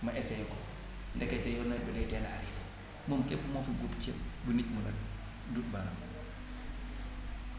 ma essayé ko ndeketeyoo nawet bi day teel a arrêté moom kepp moo fi guub ceeb bu nit mun a duut baaraam